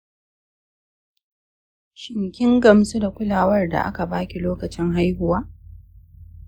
shin kin gamsu da kulawar da aka ba ki lokacin haihuwa?